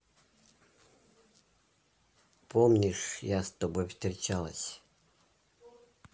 помнишь я с тобой встречалась